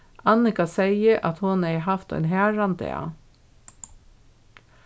annika segði at hon hevði havt ein harðan dag